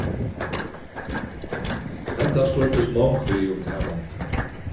hetta stríddust mong við um tað mundið